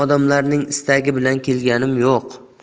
odamlarning istagi bilan kelganim yo'q